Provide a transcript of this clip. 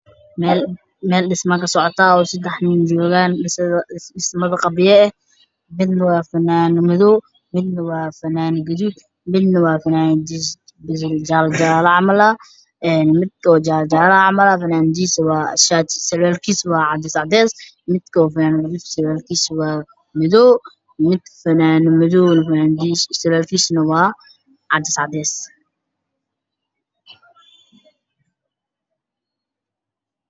Meel dhismo ka socoto oo sedax nin jogaan midna waa funaanad madow